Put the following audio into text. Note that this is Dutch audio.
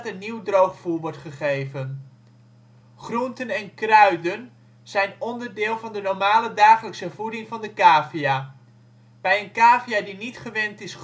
nieuw droogvoer wordt gegeven. Groenten en kruiden zijn onderdeel van de normale dagelijkse voeding van de cavia. Bij een cavia die niet gewend is groenten